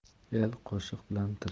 el qo'shiq bilan tirik